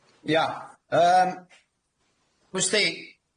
Ia, yym, w's di?